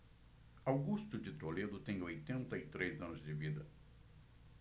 augusto de toledo tem oitenta e três anos de vida